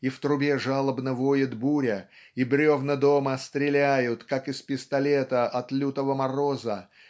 и в трубе жалобно воет буря и бревна дома стреляют как из пистолета от лютого мороза